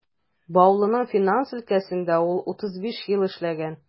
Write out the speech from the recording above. Баулының финанс өлкәсендә ул 35 ел эшләгән.